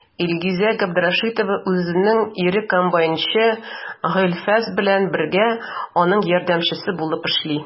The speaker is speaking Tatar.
Илгизә Габдрәшитова үзенең ире комбайнчы Гыйльфас белән бергә, аның ярдәмчесе булып эшли.